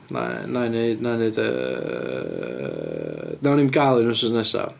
Wna wna i wneud, wna i wneud yy... Wnawn ni'm gael un wythnos nesa.